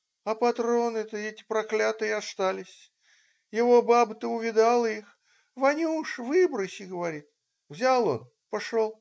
а патроны-то эти проклятые остались, его баба-то увидала их. Ванюша, выброси, говорит. взял он, пошел.